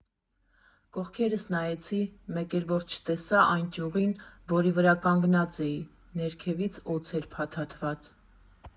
Կողքերս նայեցի, մեկ էլ որ չտեսա՝ այն ճյուղին, որի վրա կանգնած էի, ներքևից օձ էր փաթաթված։